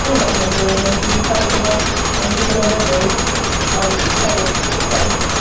dwi me'wl bo' ni'n byw mewn cymdeithas efo yym digon o ryddid ond hefyd t'go' m-